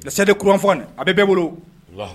Charte de Kurukanfuga in a bɛ bɛɛ bolo, Alahu.